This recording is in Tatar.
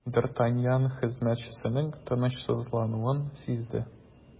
Д’Артаньян хезмәтчесенең тынычсызлануын сизде.